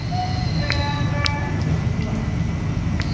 reng reng ô điện thoại ừm